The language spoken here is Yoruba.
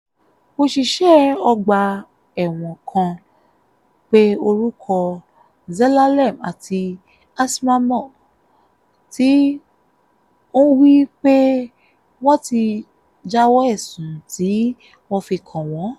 Òṣìṣẹ́ ọgbà ẹ̀wọ̀n kan pe orúkọ Zelalem àti Asmamaw, tí ó ń wí pé wọ́n ti jáwọ́ ẹ̀sùn tí wọ́n fi kàn wọ́n.